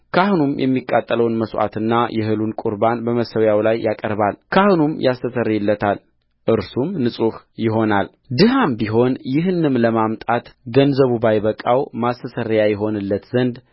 ካህኑም የሚቃጠለውን መሥዋዕትና የእህሉን ቍርባን በመሠዊያው ላይ ያቀርባል ካህኑም ያስተሰርይለታል እርሱም ንጹሕ ይሆናልድሀም ቢሆን ይህንም ለማምጣት ገንዘቡ ባይበቃው ማስተስረያ ይሆንለት ዘንድ